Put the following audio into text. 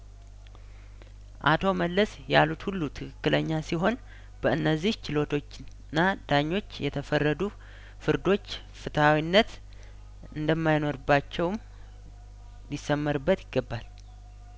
አቶ መለስ ያሉት ሁሉ ትክክለኛ ሲሆን በእነዚህ ችሎቶችና ዳኞች የተፈረዱ ፍርዶች ፍትሀዊነት እንደማይኖርባቸውም ሊሰመርበት ይገባል